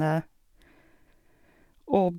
Og...